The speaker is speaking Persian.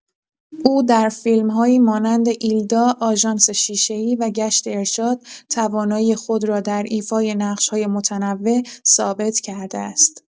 او در فیلم‌هایی مانند ایل‌دا، آژانس شیشه‌ای و گشت ارشاد توانایی خود را در ایفای نقش‌های متنوع ثابت کرده است.